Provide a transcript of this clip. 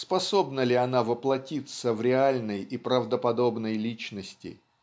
способна ли она воплотиться в реальной и правдоподобной личности